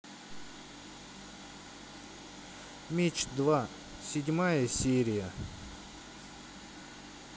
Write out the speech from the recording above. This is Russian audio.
меч два седьмая серия